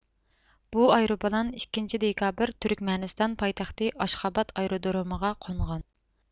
بۇ ئايروپىلان ئىككىنچى دېكابىر تۈركمەنىستان پايتەختى ئاشخاباد ئايرودرومىغا قونغان